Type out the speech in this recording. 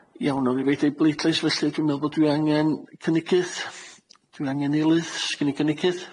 Iawn, nawn ni reit i'r bleidlais felly. Dwi me'wl bod dwi angen cynigydd, dwi angen eilydd, sgin i gynigydd?